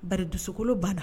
Ba dusukolo banna